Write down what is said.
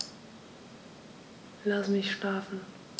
Lass mich schlafen